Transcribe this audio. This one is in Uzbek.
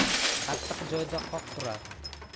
qattiq joyda qoq turar